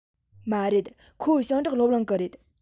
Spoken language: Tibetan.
མ རེད ཁོ ཞིང འབྲོག སློབ གླིང གི རེད